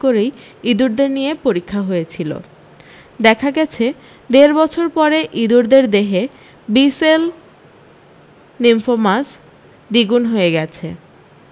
করেই ইঁদুরদের নিয়ে পরীক্ষা হয়েছিলো দেখা গেছে দেড় বছর পরে ইঁদুরদের দেহে বিসেল নিম্ফোমাস দ্বিগুণ হয়ে গেছে